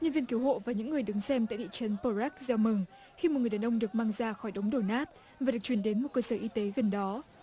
nhân viên cứu hộ và những người đứng xem tại thị trấn pô rét reo mừng khi một người đàn ông được mang ra khỏi đống đổ nát và được chuyển đến một cơ sở y tế gần đó